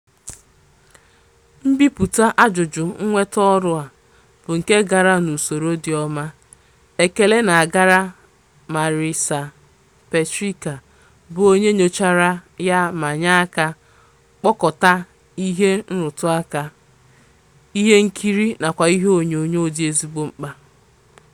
Mbipụta ajụjụ mnweta orụ a bụ nke gara n'usoro dị ọma, ekele na-agara Marisa Petricca, bụ onye nyochara yá ma nye aka kpokota ihe nrụtụaka, ihe nkiri nakwa ihe onyonyo dị ezigbo mkpa.